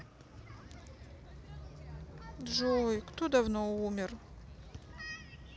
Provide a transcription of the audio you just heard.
джой кто давно умер